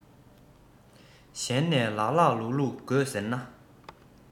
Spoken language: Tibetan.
གཞན ནས ལགས ལགས ལུགས ལུགས དགོས ཟེར ན